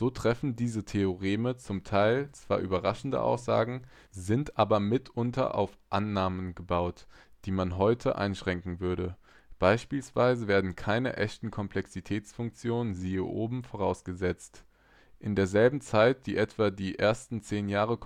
treffen diese Theoreme z.T. zwar überraschende Aussagen, sind aber mitunter auf Annahmen gebaut, die man heute einschränken würde. Beispielsweise werden keine echten Komplexitätsfunktionen (siehe oben) vorausgesetzt. In derselben Zeit, die etwa die ersten zehn Jahre